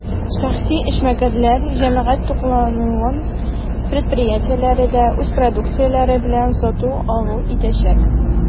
Шәхси эшмәкәрләр, җәмәгать туклануы предприятиеләре дә үз продукцияләре белән сату-алу итәчәк.